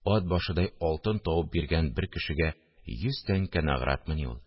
Ат башыдай алтын табып биргән бер кешегә йөз тәңкә награтмыни ул